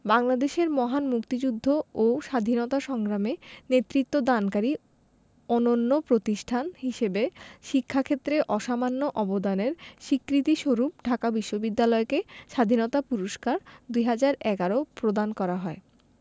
বাংলাদেশের মহান মুক্তিযুদ্ধ ও স্বাধীনতা সংগ্রামে নেতৃত্বদানকারী অনন্য প্রতিষ্ঠান হিসেবে শিক্ষা ক্ষেত্রে অসামান্য অবদানের স্বীকৃতিস্বরূপ ঢাকা বিশ্ববিদ্যালয়কে স্বাধীনতা পুরস্কার ২০১১ প্রদান করা হয়